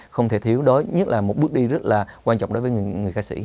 không thể thiếu đối nhất là một bước đi rất là quan trọng đối với những người ca sĩ